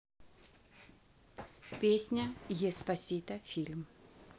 песня еспосито фильм